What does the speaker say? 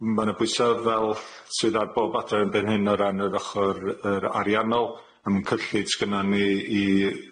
Ma' 'na bwysa' fel sydd ar bob adran erbyn hyn o ran yr ochor yr ariannol, yym cyllid s'gynnan ni i